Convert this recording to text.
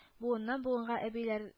Буыннан-буынга, әбиләр